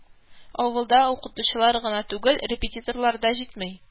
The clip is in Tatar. Авылда укытучылар гына түгел, репетиторлар да җитми